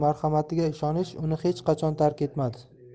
marhamatiga ishonish uni hech qachon tark etmadi